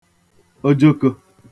ojokō